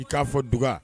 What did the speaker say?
I k'a fɔ dug